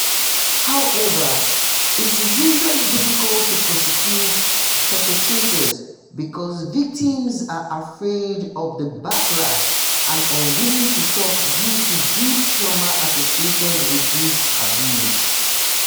However, it is usually difficult to prosecute perpetrators because victims are afraid of the backlash and unwilling to talk due to deep trauma associated with these abuses.